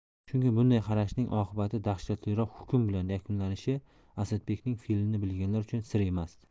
chunki bunday qarashning oqibati dahshatliroq hukm bilan yakunlanishi asadbekning fe'lini bilganlar uchun sir emasdi